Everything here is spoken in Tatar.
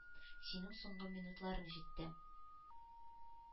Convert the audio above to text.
— синең соңгы минутларың җитте.